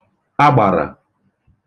agbàrà